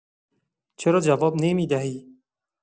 چرا جواب نمی‌دهی؟!